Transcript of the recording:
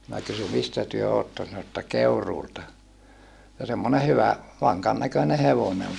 minä kysyin mistä te olette sanoi että Keuruulta ja semmoinen hyvä vankan näköinen hevonen oli